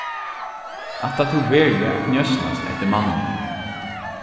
ætlar tú veruliga at njósnast eftir manninum